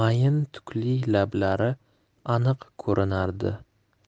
mayin tukli lablari aniq ko'rinardi